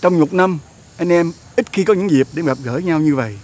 trong một năm anh em ít khi có những dịp để gặp gỡ nhau như vậy